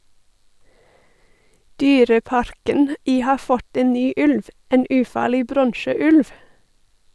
Dyreparken i har fått en ny ulv - en ufarlig bronseulv.